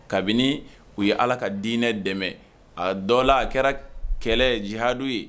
Kabini u ye ala ka diinɛ dɛmɛ a dɔ la a kɛra kɛlɛhadu ye